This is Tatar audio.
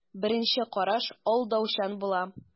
Беренче караш алдаучан була.